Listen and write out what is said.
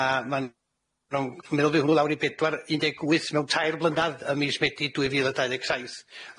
a ma'n ron- meddwl fy hwnnw lawr i pedwar un deg wyth mewn tair blynedd ym mis Medi dwy fil a dau ddeg saith.